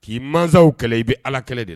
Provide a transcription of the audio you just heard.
K'i masasaw kɛlɛ i bɛ ala kɛlɛ de la